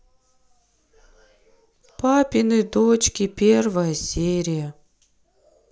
папины дочки первая серия